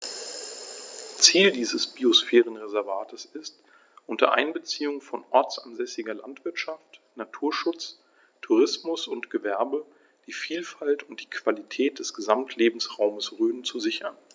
Ziel dieses Biosphärenreservates ist, unter Einbeziehung von ortsansässiger Landwirtschaft, Naturschutz, Tourismus und Gewerbe die Vielfalt und die Qualität des Gesamtlebensraumes Rhön zu sichern.